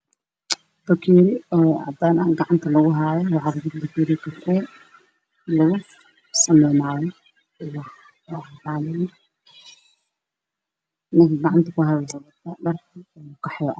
Gacantu ku hayaa bareerid waxa kujiro kafey